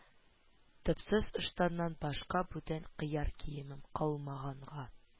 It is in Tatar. - төпсез ыштаннан башка бүтән кияр киемем калмаганга